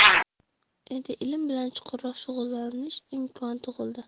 endi ilm bilan chuqurroq shug'ullanish imkoni tug'ildi